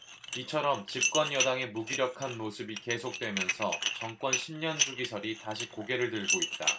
이처럼 집권 여당의 무기력한 모습이 계속되면서 정권 십 년 주기설이 다시 고개를 들고 있다